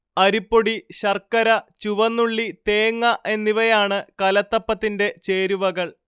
അരിപ്പൊടി ശർക്കര ചുവന്നുള്ളി തേങ്ങ എന്നിവയാണ് കലത്തപ്പത്തിന്റെ ചേരുവകൾ